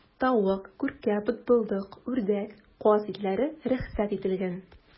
Тавык, күркә, бытбылдык, үрдәк, каз итләре рөхсәт ителгән.